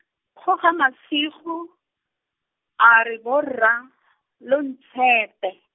Kgogamasigo, a re borra, lo ntshepe.